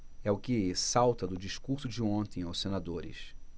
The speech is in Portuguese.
é o que salta do discurso de ontem aos senadores